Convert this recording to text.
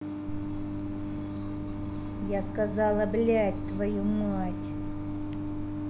я сказала блядь твою мать